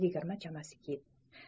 yigirmatalar chamasi kit